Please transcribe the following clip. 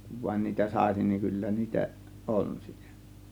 kun vain niitä saisi niin kyllä niitä on siellä